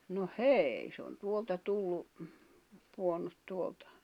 no hei se on tuolta tullut pudonnut tuolta